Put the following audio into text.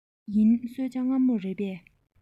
ཡིན གསོལ ཇ མངར མོ རེད པས